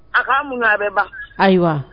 A k ka mun a bɛba ayiwa